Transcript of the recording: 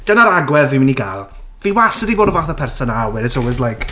Dyna'r agwedd fi'n mynd i gael. Fi wastad 'di bod y fath o person 'na where it's always like...